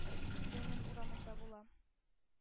Ленин урамында була.